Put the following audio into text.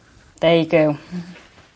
There you go .